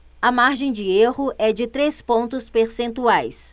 a margem de erro é de três pontos percentuais